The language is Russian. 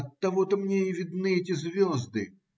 Оттого-то мне и видны эти звезды.